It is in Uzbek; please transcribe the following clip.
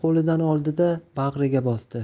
qo'lidan oldida bag'riga bosdi